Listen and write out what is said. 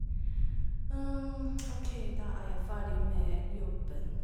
OK, da er jeg ferdig med jobben.